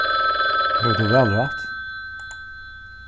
hevur tú valrætt